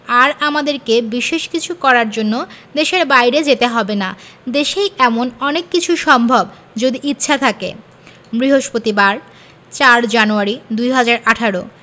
আর আমাদেরকে বিশেষ কিছু করার জন্য দেশের বাইরে যেতে হবে না দেশেই এখন অনেক কিছু সম্ভব যদি ইচ্ছা থাকে বৃহস্পতিবার ০৪ জানুয়ারি ২০১৮